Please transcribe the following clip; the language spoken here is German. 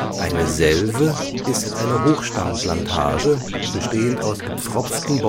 Eine Selve ist eine Hochstamm-Plantage bestehend aus gepfropften